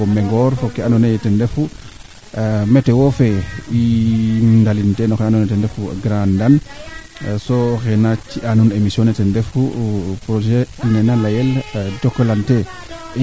i naa njega maaga probleme te ref xar anda ye badoole rooga dimle angaan bo o jeg ɓasil i anda yee me i ndefna in fop oxu rimna o mbiy